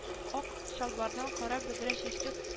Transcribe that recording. Ак чалбардан, кара бөдрә чәчле